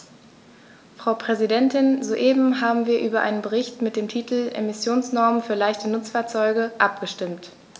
Frau Präsidentin, soeben haben wir über einen Bericht mit dem Titel "Emissionsnormen für leichte Nutzfahrzeuge" abgestimmt.